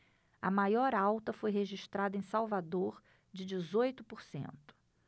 a maior alta foi registrada em salvador de dezoito por cento